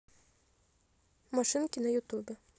машинки на ютубе